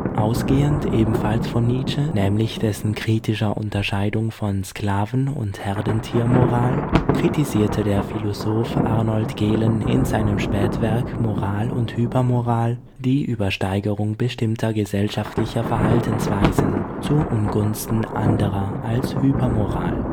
Ausgehend ebenfalls von Nietzsche, nämlich dessen kritischer Unterscheidung von „ Sklaven - und Herdentiermoral “, kritisierte der Philosoph Arnold Gehlen in seinem Spätwerk Moral und Hypermoral die Übersteigerung bestimmter gesellschaftlicher Verhaltensweisen zu Ungunsten anderer als Hypermoral